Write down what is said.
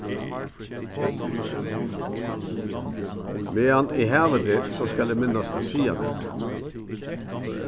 meðan eg havi teg so skal eg minnast at siga nakað